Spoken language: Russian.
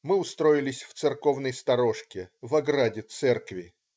Мы устроились в церковной сторожке, в ограде церкви.